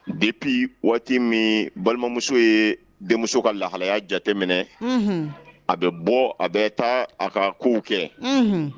Bipi waati min balimamuso ye denmuso ka lahalaya jateminɛ a bɛ bɔ a bɛ taa a ka kow kɛ